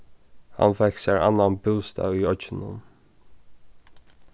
hann fekk sær annan bústað í oyggjunum